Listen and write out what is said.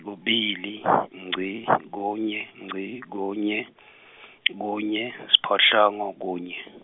kubili , ngci , kunye, ngci, kunye , kunye, siphohlongo, kunye.